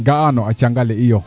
ga'ano a cang ale iyo